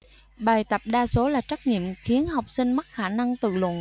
bài tập đa số là trắc nghiệm khiến học sinh mất khả năng tự luận